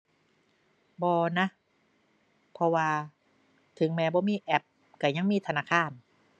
บ่นะ เพราะว่าถึงแม้บ่มีแอปก็ยังมีธนาคาร